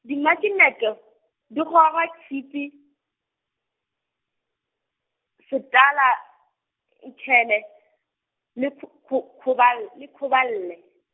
dimaknete, di goga tšhipi, setala, nikhele, le khokho khobal-, le -khoballe.